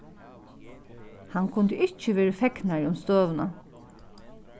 hann kundi ikki verið fegnari um støðuna